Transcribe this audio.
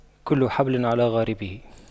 كل حبل على غاربه